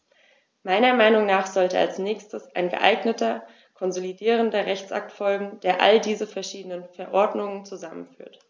Meiner Meinung nach sollte als nächstes ein geeigneter konsolidierender Rechtsakt folgen, der all diese verschiedenen Verordnungen zusammenführt.